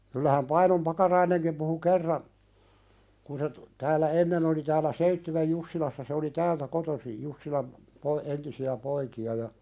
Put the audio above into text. kyllähän Painon Pakarainenkin puhui kerran kun se - täällä ennen oli täällä Seitsiön Jussilassa se oli täältä kotoisin Jussilan - entisiä poikia ja